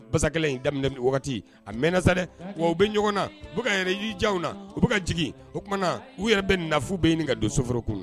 Bakɛla in daminɛ wagati a mɛnsɛ dɛ wa u bɛ ɲɔgɔn na u ka yɛrɛ yirijaw na u bɛka ka jigi o tuma u yɛrɛ bɛ na fu bɛ ɲini ka don sooro